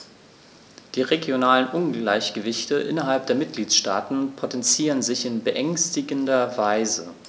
Die regionalen Ungleichgewichte innerhalb der Mitgliedstaaten potenzieren sich in beängstigender Weise.